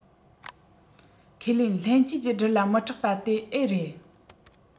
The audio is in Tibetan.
ཁས ལེན ལྷན སྐྱེས ཀྱི སྦྲུལ ལ མི སྐྲག པ དེ ཨེ རེད